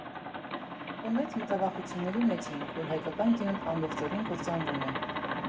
Ու մեծ մտավախությունների մեջ էինք, որ հայկական կինոն ամբողջովին կործանվում է։